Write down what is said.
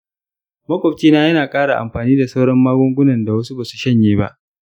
maƙwabcina yana ƙara amfani da sauran magungunan da wasu ba su shanye ba.